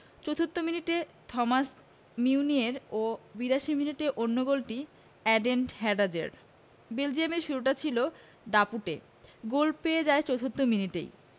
চতুর্থ মিনিটে Thomas Meunier ও ৮২ মিনিটে অন্য গোলটি এডেন হ্যাজার্ডের বেলজিয়ামের শুরুটা ছিল দাপুটে গোল পেয়ে যায় চতুর্থ মিনিটেই